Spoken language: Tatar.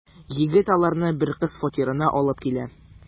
Егет аларны бер кыз фатирына алып килә.